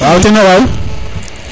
wa teno waaw